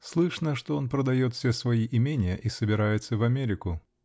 Слышно, что он продает все свои имения и собирается в Америку.